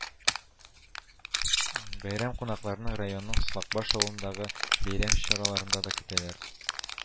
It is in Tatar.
Бәйрәм кунакларын районның Слакбаш авылындагы бәйрәм чараларында да көтәләр